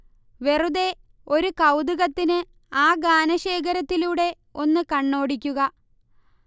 വെറുതെ ഒരു കൗതുകത്തിന് ആ ഗാനശേഖരത്തിലൂടെ ഒന്ന് കണ്ണോടിക്കുക